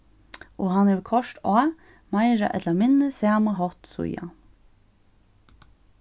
og hann hevur koyrt á meira ella minni sama hátt síðan